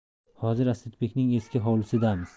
hozir asadbekning eski hovlisidamiz